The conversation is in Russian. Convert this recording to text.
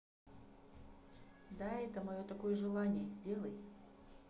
да это мое такое желание сделай